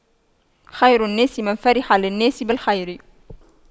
خير الناس من فرح للناس بالخير